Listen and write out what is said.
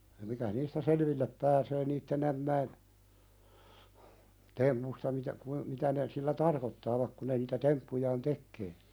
mikä niistä selville pääsee niiden ämmien tempuista mitä - mitä ne sillä tarkoittavat kun ne niitä temppujaan tekee